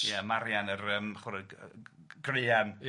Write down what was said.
Ia Marian yr yym chwarae g- g- g- graean... Ia